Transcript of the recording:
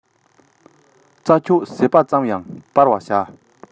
རྩྭ མཆོག ཟིལ པ ཙམ ཡང སྤང བར བྱ